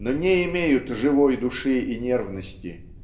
но не имеют живой души и нервности